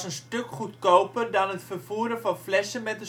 stuk goedkoper dan het vervoeren van flessen met